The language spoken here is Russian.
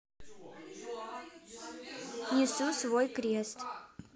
несу свой крест